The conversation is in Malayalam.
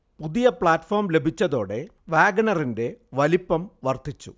പുതിയ പ്ലാറ്റ്ഫോം ലഭിച്ചതോടെ വാഗണറിന്റെ വലുപ്പം വർധിച്ചു